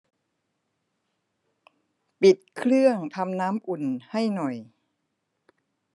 ปิดเครื่องทำน้ำอุ่นให้หน่อย